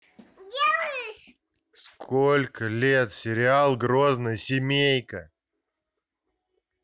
сколько лет сериал грозная семейка